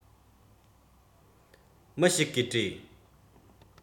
མི ཞིག གིས དྲིས